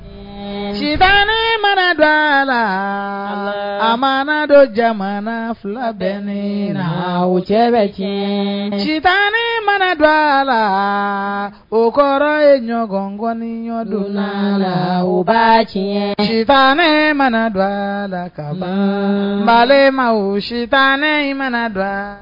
Nci mana dɔ a la a mana dɔ jamana fila bɛ ne na o cɛ bɛ tiɲɛ ci tan mana don a la o kɔrɔ ye ɲɔgɔnkɔni ɲɔgɔndon la la u ba'a cɛ bamanan mana don a la ka ba ma wo sita in mana don